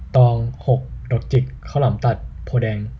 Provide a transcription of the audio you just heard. ตองหกดอกจิกข้าวหลามตัดโพธิ์แดง